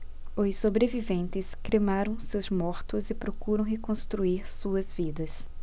os sobreviventes cremaram seus mortos e procuram reconstruir suas vidas